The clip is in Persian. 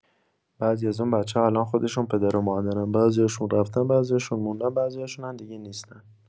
بعضی از اون بچه‌ها الان خودشون پدر و مادرن، بعضیاشون رفتن، بعضیاشون موندن، بعضیاشونم دیگه نیستن.